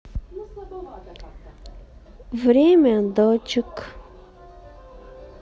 время дочек